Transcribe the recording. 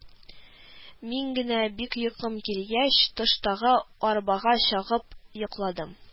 Мин генә, бик йокым килгәч, тыштагы арбага чыгып йокладым